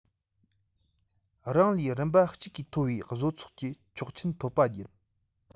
རང ལས རིམ པ གཅིག གིས མཐོ བའི བཟོ ཚོགས ཀྱི ཆོག མཆན ཐོབ པ བརྒྱུད